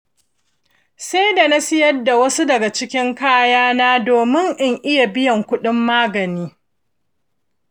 sai da na sayar da wasu daga cikin kayana domin in iya biyan kuɗin magani.